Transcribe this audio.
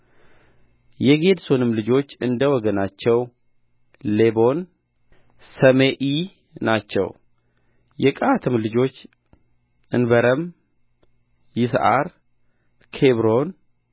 የጌድሶንም ልጆች እንደ ወገኖቻቸው ሎቤኒ ሰሜኢ ናቸው የቀዓትም ልጆች እንበረም ይስዓር ኬብሮን